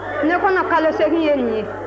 ne kɔnɔ kalo seegin ye nin ye